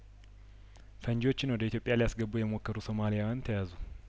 ፈንጂዎችን ወደ ኢትዮጵያሊ ያስገቡ የሞከሩ ሶማልያውያን ተያዙ